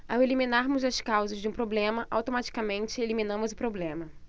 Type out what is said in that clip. ao eliminarmos as causas de um problema automaticamente eliminamos o problema